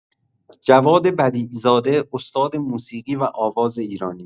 جواد بدیع زاده استاد موسیقی و آواز ایرانی